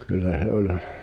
kyllä se oli